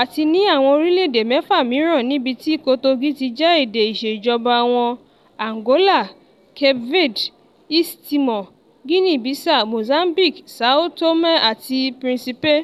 àti ní àwọn orílẹ̀-èdè 6 mìíràn níbi tí Portuguese ti jẹ́ èdè ìṣèjọba wọn: Angola, Cape Verde, East Timor, Guinea-Bissau, Mozambique, São Tomé àti Principe.